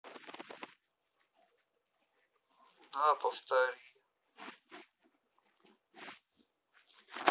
да повтори